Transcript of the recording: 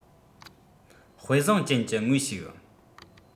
དཔེ བཟང ཅན གྱི ངོས ཞིག